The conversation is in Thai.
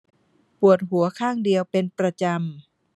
ปวดหัวข้างเดียวเป็นประจำ